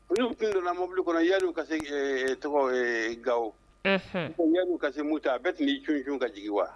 N'u tun donna mobili kɔnɔ yani u ka se a tɔgɔ ye Gawo, unhun, yani u ka se Muti a bɛɛ tun b'i jun jigin wa?